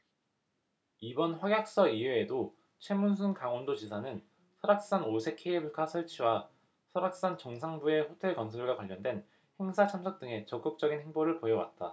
이번 확약서 이외에도 최문순 강원도지사는 설악산 오색케이블카 설치와 설악산 정상부의 호텔 건설과 관련된 행사 참석 등에 적극적인 행보를 보여왔다